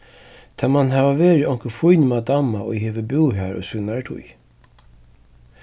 tað man hava verið onkur fín madamma ið hevur búð har í sínari tíð